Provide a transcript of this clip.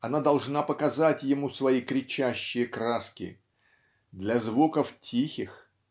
она должна показать ему свои кричащие краски для звуков тихих